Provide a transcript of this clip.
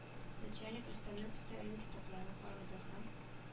Начальник рөстәмнең өстәлен китапларын карады һәм